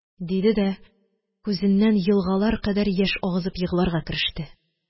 Диде дә күзеннән елгалар кадәр яшь агызып егларга кереште